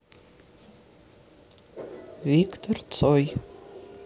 виктор цой